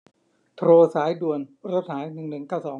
โทรสายด่วนรถหายหนึ่งหนึ่งเก้าสอง